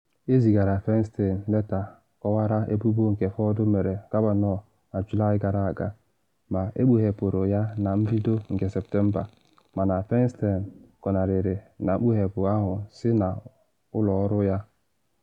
Ezigara Feinstein leta kọwara ebubo nke Ford mere Kavanaugh na Julaị gara aga, ma ekpughepuru ya na mbido nke Septemba - mana Feinstein gọnarịrị na mkpughepu ahụ si n’ụlọ ọrụ ya.